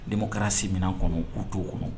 Démocratie minan kɔnɔ u t'o kɔnɔ